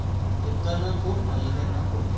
yiqqandan qo'rqma yegandan qo'rq